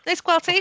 Neis gweld ti!